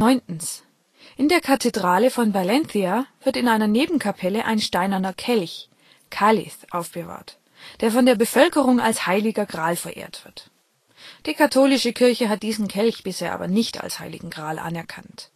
In der Kathedrale von Valencia wird in einer Nebenkapelle ein steinerner Kelch (cáliz) aufbewahrt, der von der Bevölkerung als Heiliger Gral verehrt wird, die katholische Kirche hat diesen Kelch bisher aber nicht als Heiligen Gral anerkannt